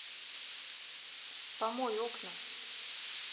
помой окна